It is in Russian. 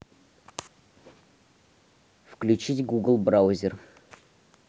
включить google браузер